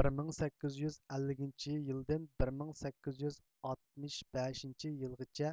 بىر مىڭ سەككىز يۈز ئەللىكىنچى يىلدىن بىر مىڭ سەككىز يۈز ئاتمىش بەشىنچى يىلغىچە